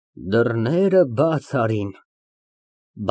Դռները բաց արին։